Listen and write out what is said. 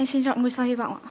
em xin chọn ngôi sao hi vọng ạ